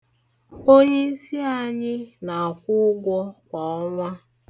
Onyeisi anyị na-akwụ ụgwọ kwa ọnwa.